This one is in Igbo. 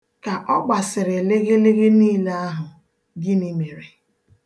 Ka ọ gbasịrị lịghịlịghị niile ahụ, gịnị mere?